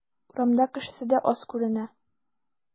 Урамда кешесе дә аз күренә.